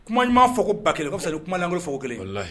Kuma ɲuman fɔ ko ba kelen fisa kumalan' fɔ kelen